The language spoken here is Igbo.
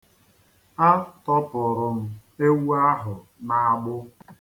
Atọpụrụ m ewu ahụ n'agbụ.